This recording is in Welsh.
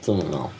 Dwi'm yn meddwl.